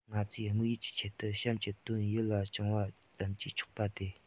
ང ཚོའི དམིགས ཡུལ གྱི ཆེད དུ གཤམ གྱི དོན ཡིད ལ བཅངས པ ཙམ གྱིས ཆོག པ དེ